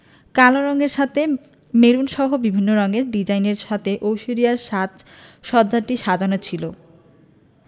কালো রঙের সাথে মেরুনসহ বিভিন্ন রঙের ডিজাইনের সাথে ঐশ্বরিয়ার সাজ সজ্জাটি সাজানো ছিল